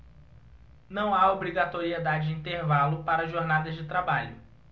não há obrigatoriedade de intervalo para jornadas de trabalho